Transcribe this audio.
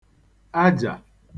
ajà